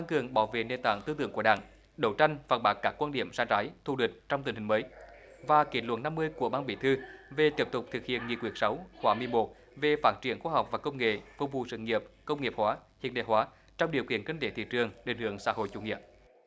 cường bảo vệ nền tảng tư tưởng của đảng đấu tranh phản bác các quan điểm sai trái thù địch trong tình hình mới và kết luận năm mươi của ban bí thư về tiếp tục thực hiện nghị quyết sáu khóa mười một về phát triển khoa học và công nghệ phục vụ sự nghiệp công nghiệp hóa hiện đại hóa trong điều kiện kinh tế thị trường định hướng xã hội chủ nghĩa